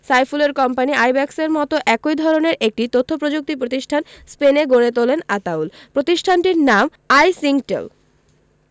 সাইফুলের কোম্পানি আইব্যাকসের মতো একই ধরনের একটি তথ্যপ্রযুক্তি প্রতিষ্ঠান স্পেনে গড়ে তোলেন আতাউল প্রতিষ্ঠানটির নাম আইসিংকটেল